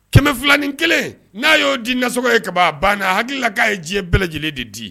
Kɛmɛfiin kelen n'a y'o di nasso ye kaba banna a hakilila k'a ye diɲɛ bɛɛ lajɛlen de di